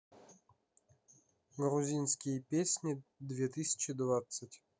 грузинские песни две тысячи двадцать